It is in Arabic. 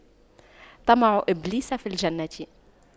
طمع إبليس في الجنة